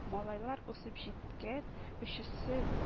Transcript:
Малайлар үсеп җит кән, өчесе